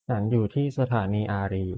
ฉันอยู่ที่สถานีอารีย์